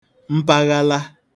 mpaghala